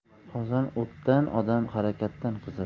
qozon o'tdan odam harakatdan qizir